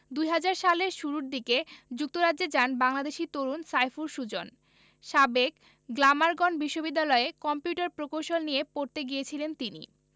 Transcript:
২০০০ সালের শুরু দিকে যুক্তরাজ্যে যান বাংলাদেশি তরুণ সাইফুল সুজন সাবেক গ্লামারগন বিশ্ববিদ্যালয়ে কম্পিউটার প্রকৌশল নিয়ে পড়তে গিয়েছিলেন তিনি